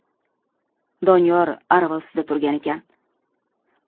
doniyor arava ustida turgan ekan